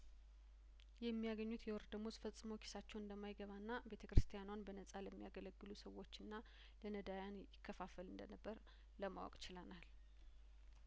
የሚያገኙት የወር ደመወዝ ፈጽሞ ኪሳቸው እንደማይገባና ቤተክርስቲያኗን በነጻ ለሚያገለግሉ ሰዎችና ለነዳያን ይከፋፈል እንደነበር ለማወቅ ችለናል